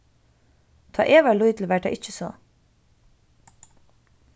tá eg var lítil var tað ikki so